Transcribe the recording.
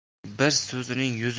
bir so'zlining yuzi